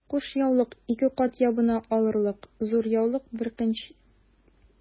Кушъяулык— ике кат ябына алырлык зур яулык, бөркәнчек...